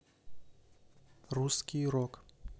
русский рок